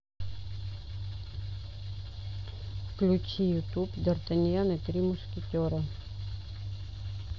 включи ютуб дартаньян и три мушкетера